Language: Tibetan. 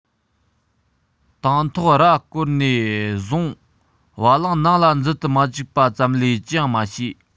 དང ཐོག ར བསྐོར ནས བཟུང བ གླང ནང ལ འཛུལ དུ མ བཅུག པ ཙམ ལས ཅི ཡང མ བྱས